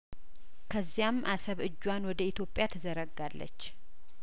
ከዚያም አሰብ እጇን ወደ ኢትዮጵያት ዘረጋለች